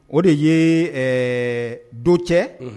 O de ye don cɛ